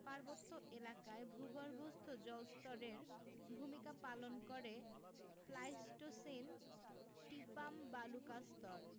পার্বত্য এলাকায় ভূগর্ভস্থ জলস্তরের ভূমিকা পালন করে প্লাইসটোসিন টিপাম বালুকাস্তর